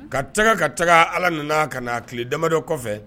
Ka tɛgɛ ka taga ala nana ka na tile damadɔ kɔfɛ